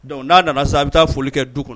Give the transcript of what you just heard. Dɔnku n'a nana sa a bɛ taa foli kɛ du kɔnɔ